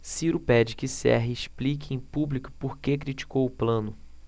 ciro pede que serra explique em público por que criticou plano